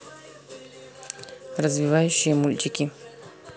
развивающие мультики